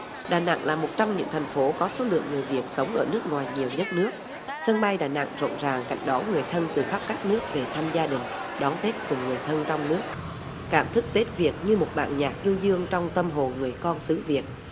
đà nẵng là một trong những thành phố có số lượng người việt sống ở nước ngoài nhiều nhất nước sân bay đà nẵng rộn ràng cảnh đón người thân từ khắp các nước về thăm gia đình đón tết cùng người thân trong nước cảm thức tết việt như một bản nhạc du dương trong tâm hồn người con xứ việt